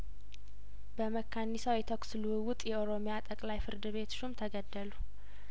በመካኒሳው የተኩስ ልውውጥ የኦሮሚያ ጠቅላይ ፍርድ ቤት ሹም ተገደሉ